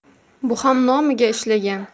bu ham nomiga ishlagan